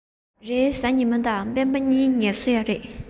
རེས གཟའ ཉི མ དང སྤེན པ གཉིས ཀར ངལ གསོ ཡོད རེད